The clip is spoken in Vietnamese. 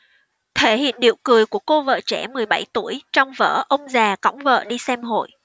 thể hiện điệu cười của cô vợ trẻ mười bảy tuổi trong vở ông già cõng vợ đi xem hội